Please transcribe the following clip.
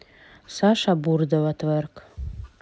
саша бурдова тверк